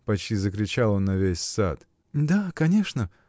— почти закричал он на весь сад. — Да, конечно!